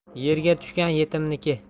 yerga tushgan yetimniki